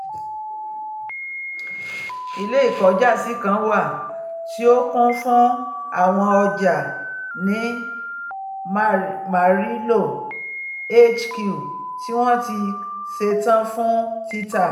Ilé ìkọ́jàsí kan wà tí o kún fun àwọn ọjà ni Marlow HQ tí wọn ti ṣetán fun títà.''